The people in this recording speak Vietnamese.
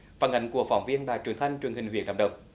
phản ánh của phóng viên đài truyền thanh truyền hình huyện nam đông